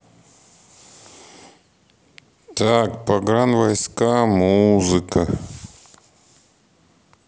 так погранвойска музыка